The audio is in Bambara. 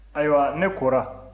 ayiwa ne kora